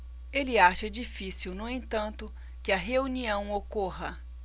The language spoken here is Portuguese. ele acha difícil no entanto que a reunião ocorra